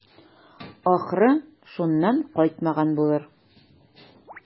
Ахры, шуннан кайтмаган булыр.